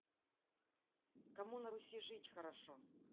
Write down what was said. кому на руси жить хорошо